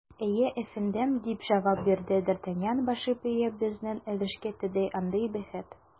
Әйе, әфәндем, - дип җавап бирде д’Артаньян, башын иеп, - безнең өлешкә тиде андый бәхет.